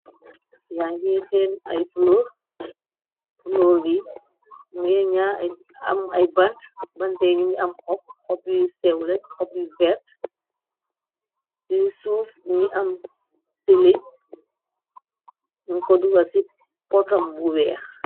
Ya ngè seen ay flor, flor yi mungi ña am ay bant. Banta nungi am hop hop yu sew leen hop yu vert. Ci suuf mungi am celin ñung ko dugal ci potam bu weeh.